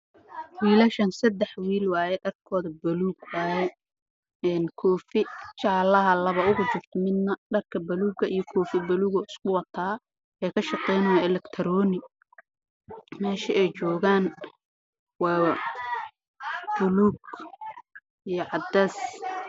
Waa wiilal sadax ah oo joogo meel electronic ah